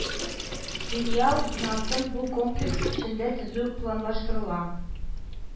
Филиал бинасын бу комплекс эчендә төзү планлаштырыла